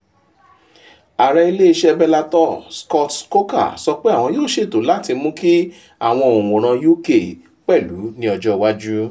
Ààrẹ ilé iṣẹ́ Bellator Scott Coker sọ pé àwọn yóò ṣèètò láti mú kí àwọn òǹwòran UK pẹ̀lú ní ọjọ́ iwájú.